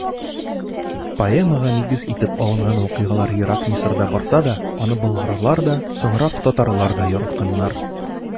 Поэмага нигез итеп алынган вакыйгалар ерак Мисырда барса да, аны болгарлар да, соңрак татарлар да яратканнар.